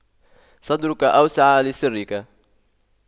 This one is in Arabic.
صدرك أوسع لسرك